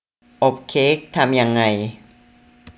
อบเค้กทำยังไง